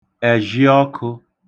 ẹ̀zhịọkụ̄